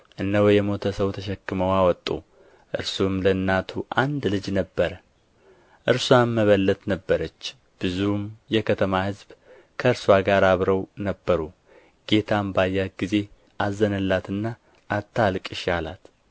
እነሆ የሞተ ሰው ተሸክመው አወጡ እርሱም ለእናቱ አንድ ልጅ ነበረ እርስዋም መበለት ነበረች ብዙም የከተማ ሕዝብ ከእርስዋ ጋር አብረው ነበሩ ጌታም ባያት ጊዜ አዘነላትና አታልቅሽ አላት